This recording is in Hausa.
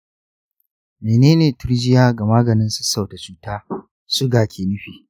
mene ne turjiya ga maganin sassauta cuta suga ke nufi?